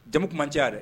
Jamukuma cayaya dɛ